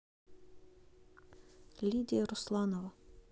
лидия русланова